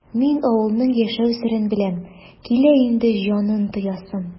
Мин авылның яшәү серен беләм, килә инде җанын тоясым!